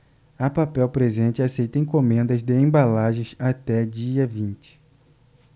a papel presente aceita encomendas de embalagens até dia vinte